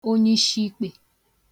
onyeishikpē